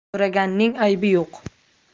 so'raganning aybi yo'q